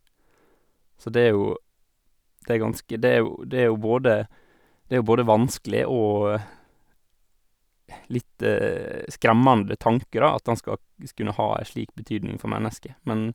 Så det er jo det er ganske det er jo det er jo både det er jo både vanskelig og litt skremmende tanke, da, at en skal gs kunne ha en slik betydning for mennesker, men...